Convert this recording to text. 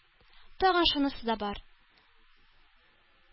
Тагын шунысы да бар: